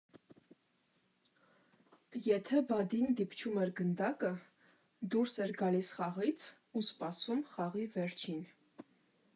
Եթե բադին դիպչում էր գնդակը, դուրս էր գալիս խաղից ու սպասում խաղի վերջին։